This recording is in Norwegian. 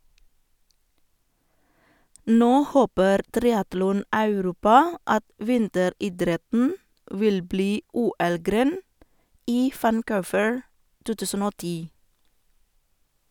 Nå håper triatlon-Europa at vinteridretten vil bli OL-gren i Vancouver 2010.